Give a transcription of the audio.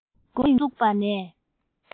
འཕེལ རིམ མགོ བཙུགས པ ནས